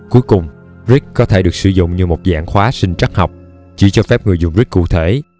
cuối cùng rig có thể được sử dụng như một dạng khóa sinh trắc học chỉ cho phép người dùng rig cụ thể